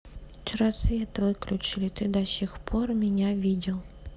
вчера свет выключили ты до сих пор меня видел